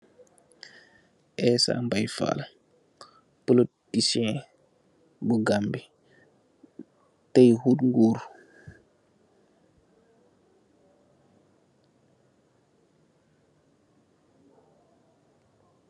Éssa Mbay Faal, politiciyen Gambia. Day wut nguur.